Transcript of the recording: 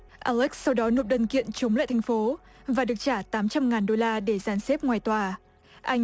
a lếch sau đó nộp đơn kiện chống lại thành phố và được trả tám trăm ngàn đôla để dàn xếp ngoài tòa anh